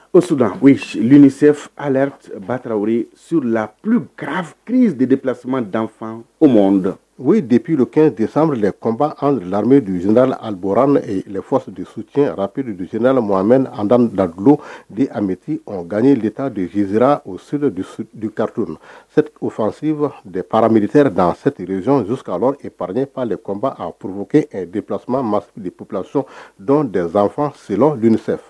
O suda lni re batara su la pri de de plassima danfa o o ye depurdu dempmedda bɔra fasɔ de sucy pdusiyd' lamedda dulo de a bɛti nkaye leta donzera o seli karite ofasifa de pameted seteurrezs'aprzep dep porop deplasi maplassi don dezfa sendsɛn